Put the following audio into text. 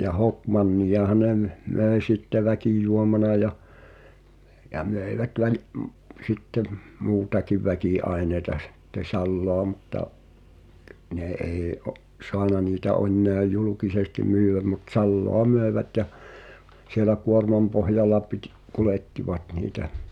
ja hokmanniahan ne - möi sitten väkijuomana ja ja möivät -- sitten - muutakin väkiaineita sitten salaa mutta ne ei - saanut niitä enää julkisesti myydä mutta salaa myivät ja siellä kuormanpohjalla - kuljettivat niitä